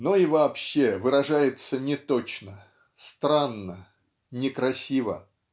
но и вообще выражается неточно странно некрасиво.